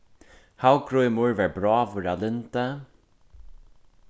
havgrímur var bráður av lyndi